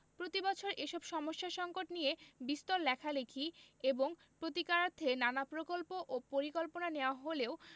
প্রতিবছর এসব সমস্যা সঙ্কট নিয়ে বিস্তর লেখালেখি এবং প্রতিকারার্থে নানা প্রকল্প ও পরিকল্পনা নেয়া হলেও